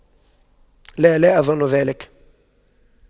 لا لا أظن ذلك